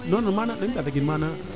non non mana ne'im Tataguine man